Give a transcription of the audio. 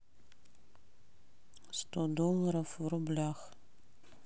сто долларов в рублях